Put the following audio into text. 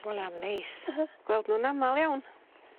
Wel am neis. Gweld nw'n amal iawn.